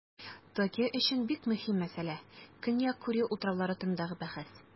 Токио өчен бик мөһим мәсьәлә - Көньяк Курил утраулары турындагы бәхәс.